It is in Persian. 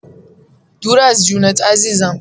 دور از جونت عزیزم!